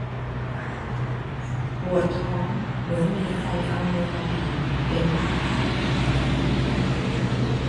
ปวดท้องเหมือนมีใครเอามือมาบีบเป็นพักพัก